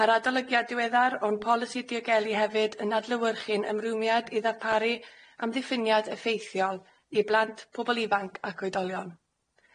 Ma'r adolygiad diweddar o'n polisi diogelu hefyd yn adlewyrchu'n ymrwmiad i ddarparu amddiffyniad effeithiol i blant, pobl ifanc ac oedolion.